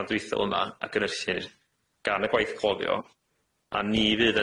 andeithiol yma a gynyrchir gan y gwaith cloddio a ni fydd